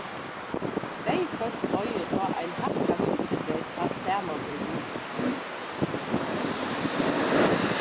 tvey fólk doyðu tá ein hækkað súkklubreyt fall saman í rio